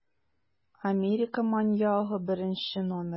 Америка маньягы № 1